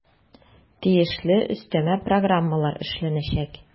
Тиешле өстәмә программалар эшләнәчәк.